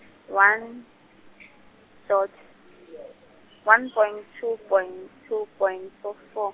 one, dot , one point two point two point fou- four.